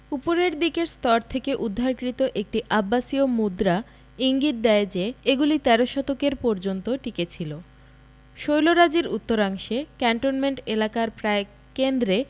উপরের দিকের স্তর থেকে উদ্ধারকৃত একটি আব্বাসীয় মুদ্রা ইঙ্গিত দেয় যে এগুলি তেরো শতকের পর্যন্ত টিকেছিল শৈলরাজির উত্তরাংশে ক্যান্টনমেন্ট এলাকার প্রায় কেন্দ্রে